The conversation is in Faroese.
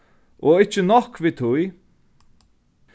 og ikki nokk við tí